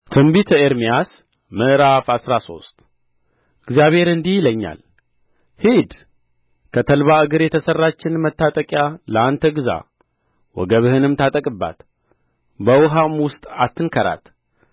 ትንቢተ ኤርምያስ ምዕራፍ አስራ ሶስት እግዚአብሔር እንዲህ ይለኛል ሂድ ከተልባ እግር የተሠራችን መታጠቂያ ለአንተ ግዛ ወገብህንም ታጠቅባት በውኃውም ውስጥ አትንከራት